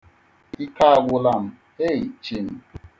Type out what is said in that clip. Ike agwụla m, hei chi m.